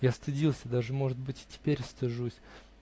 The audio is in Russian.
Я стыдился (даже, может быть, и теперь стыжусь)